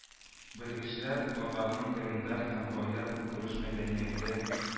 Белгечләр “Татарның календарь һәм гаилә-көнкүреш мәдәнияте”